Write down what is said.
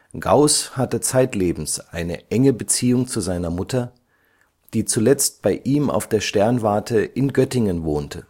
Gauß hatte zeitlebens eine enge Beziehung zu seiner Mutter, die zuletzt bei ihm auf der Sternwarte in Göttingen wohnte